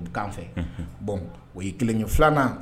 Bɔn o ye kelen ye filanan